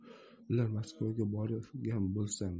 bular maskovga borgan bo'lsa